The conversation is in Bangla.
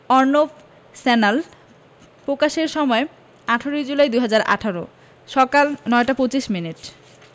অর্ণব স্যান্যাল পকাশের সময় ১৮ জুলাই ২০১৮ সকাল ৯টা ২৫ মিনিট